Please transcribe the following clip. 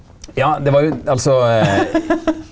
ja det var jo altså .